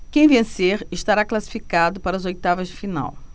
quem vencer estará classificado para as oitavas de final